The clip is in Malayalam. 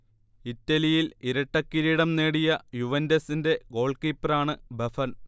ഇറ്റലിയിൽ ഇരട്ടക്കിരീടം നേടിയ യുവന്റസിന്റെ ഗോൾകീപ്പറാണ് ബഫൺ